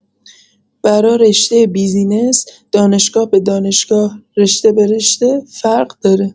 برا رشته بیزینس، دانشگاه به دانشگاه، رشته به رشته، فرق داره.